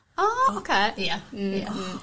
O oce. Ia. Hmm hmm.